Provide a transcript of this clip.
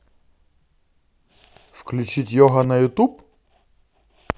включи йога на ютуб